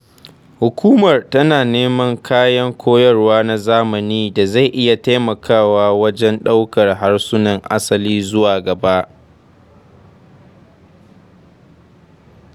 Hukumar tana neman kayan koyarwa na zamani da zai iya taimakawa wajen ɗaukar harsunan asali zuwa gaba.